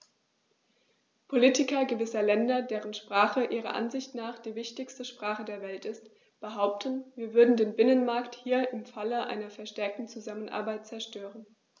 Politiker gewisser Länder, deren Sprache ihrer Ansicht nach die wichtigste Sprache der Welt ist, behaupten, wir würden den Binnenmarkt hier im Falle einer verstärkten Zusammenarbeit zerstören.